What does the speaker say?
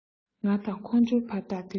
ང དང ཁོང ཁྲོའི བར ཐག དེ ལས ཉེ